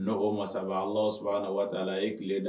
N' o masa anlɔs na waati la a ye tile da